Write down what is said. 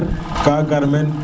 ka gar meen